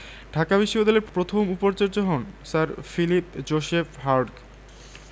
ঢাকা বিশ্ববিদ্যালয়ের প্রথম উপাচার্য হন স্যার ফিলিপ জোসেফ হার্টগ